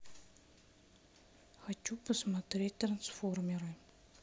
хочу посмотреть трансформеры